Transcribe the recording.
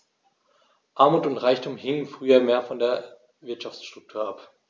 Armut und Reichtum hingen früher mehr von der Wirtschaftsstruktur ab.